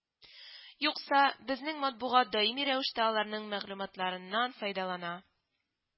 Юкса, безнең матбугат даими рәвештә аларның мәгълүматларыннан файдалана